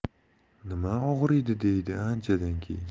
nima og'riydi deydi anchadan keyin